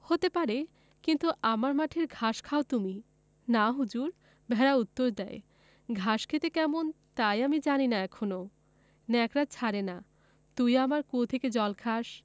কিন্তু আমার মাঠের ঘাস খাও তুমি না হুজুর ভেড়া উত্তর দ্যায় ঘাস খেতে কেমন তাই আমি জানি না এখনো নেকড়ে ছাড়ে না তুই আমার কুয়ো থেকে জল খাস